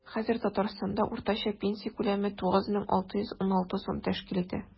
Хәзер Татарстанда уртача пенсия күләме 9616 сум тәшкил итә.